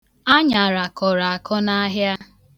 Aṅara kọrọ akọ n'ahịa.